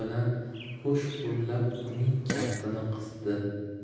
bilan qo'sh qo'llab uning kaftini qisdi